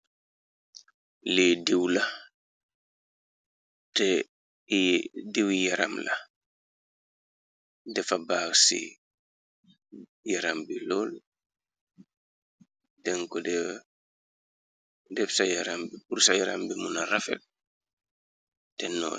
Li iwlaediw-yaram la defa baaw ci yaram bi lool denko df ayarambbur sa yaram bi muna rafel te no.